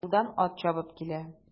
Юлдан ат чабып килә.